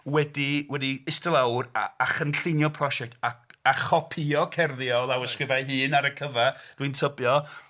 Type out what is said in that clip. Wedi... wedi eistedd lawr a- a chynllunio prosiect a chopïo cerddi o lawysgrifau ei hyn ar y cyfan, dwi'n tybio.